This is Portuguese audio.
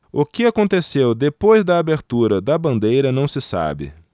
o que aconteceu depois da abertura da bandeira não se sabe